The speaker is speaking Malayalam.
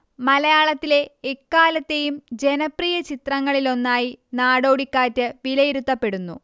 മലയാളത്തിലെ എക്കാലത്തെയും ജനപ്രിയ ചിത്രങ്ങളിലൊന്നായി നടോടിക്കാറ്റ് വിലയിരുത്തപ്പെടുന്നു